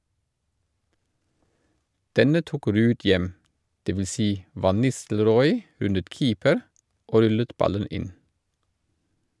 Denne tok Ruud hjem, dvs. van Nistelrooy rundet keeper og rullet ballen inn.